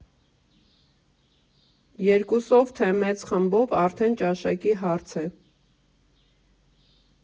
Երկուսով, թե մեծ խմբով՝ արդեն ճաշակի հարց է։